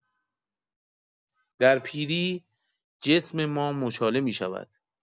در پیری، جسم ما مچاله می‌شود.